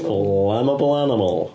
Flammable animal.